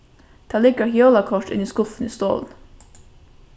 tað liggur eitt jólakort inni í skuffuni í stovuni